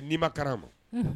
Ni'i ma a ma